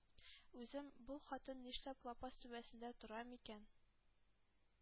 Үзем ”бу хатын нишләп лапас түбәсендә тора микән,